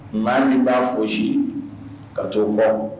Maa min b'a fo si ka t'o bɔ